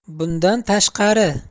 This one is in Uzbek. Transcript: bundan tashqari